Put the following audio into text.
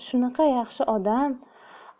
shunaqa yaxshi odam